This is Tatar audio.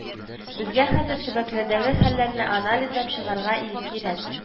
Безгә хәзер төбәкләрдәге хәлләрне анализлап чыгарга кирәк